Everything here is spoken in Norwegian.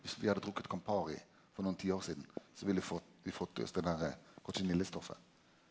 viss vi hadde drukke Campari for noko tiår sidan så ville vi fått vi fått i oss den derre cochenillestoffet.